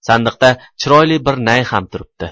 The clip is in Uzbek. sandiqda chiroyli bir nay ham turibdi